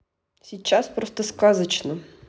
сейчас просто сказочная